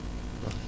waaw